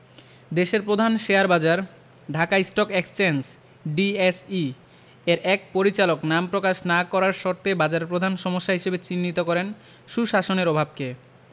দেশের প্রধান শেয়ারবাজার ঢাকা স্টক এক্সচেঞ্জ ডিএসই এর এক পরিচালক নাম প্রকাশ না করার শর্তে বাজারের প্রধান সমস্যা হিসেবে চিহ্নিত করেন সুশাসনের অভাবকে